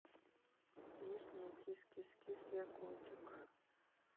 песня кис кис кис я котик